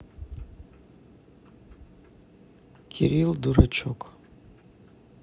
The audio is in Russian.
кирилл дурачок